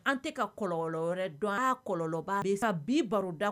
An tɛ ka kɔ wɛrɛ dɔn kɔlɔnlɔnba ka bi baroda